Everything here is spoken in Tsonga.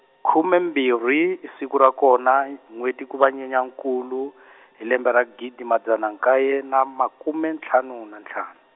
khume mbirhi i siku ra kona n'wheti ku va Nyenyankulu , hi lembe ra gidi madzana nkaye na makume ntlhanu na ntlhan-.